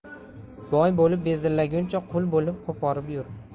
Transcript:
boy bo'lib bezillaguncha qul bo'lib qo'porib yur